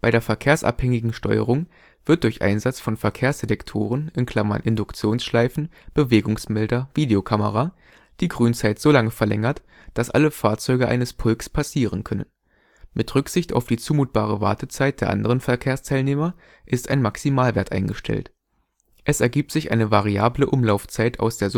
der verkehrsabhängigen Steuerung wird durch Einsatz von Verkehrsdetektoren (Induktionsschleifen, Bewegungsmelder, Videokamera) die Grünzeit so lange verlängert, dass alle Fahrzeuge eines Pulks passieren können. Mit Rücksicht auf die zumutbare Wartezeit der anderen Verkehrsteilnehmer ist ein Maximalwert eingestellt. Es ergibt sich eine variable Umlaufzeit aus der